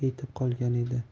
yetib qolgan edi